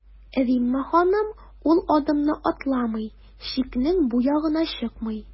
Римма ханым ул адымны атламый, чикнең бу ягына чыкмый.